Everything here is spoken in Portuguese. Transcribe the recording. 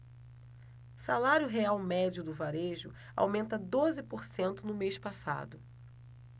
salário real médio do varejo aumenta doze por cento no mês passado